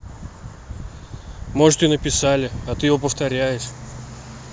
может и написали а ты его повторяешь